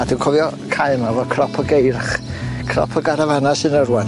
A dwi'n cofio cae' yma efo crop o geirch crop o garafanna sy' 'na rŵan.